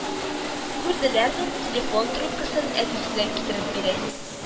Күрделәр дип, телефон трубкасын әтисенә китереп бирә